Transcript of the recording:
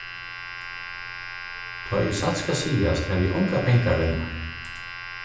tá ið satt skal sigast havi eg ongar pengar við mær